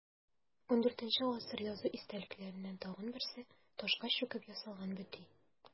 ХIV гасыр язу истәлекләреннән тагын берсе – ташка чүкеп язылган бөти.